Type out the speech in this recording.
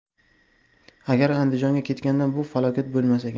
agar andijonga ketganda bu falokat bo'lmas ekan